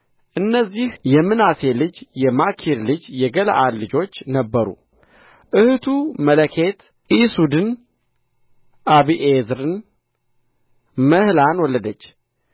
እነዚህ የምናሴ ልጅ የማኪር ልጅ የገለዓድ ልጆች ነበሩ እኅቱ መለኬት ኢሱድን አቢዔዝርን መሕላን ወለደች